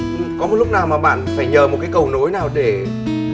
có một lúc nào mà bạn phải nhờ một cái cầu nối nào để